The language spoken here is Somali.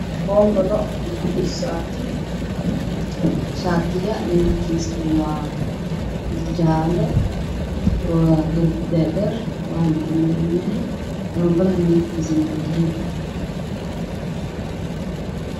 Halkaan waxaa ka muuqdo shaati jaalo ah waxaana ku dhegan warqad madaw ah